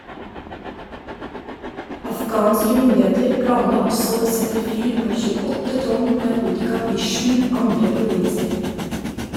Afghanske myndigheter planla også å sette fyr på 28 tonn narkotika i sju andre provinser.